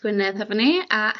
...Gwynedd hefo ni a